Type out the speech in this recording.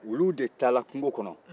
olu de taara kungo kɔnɔ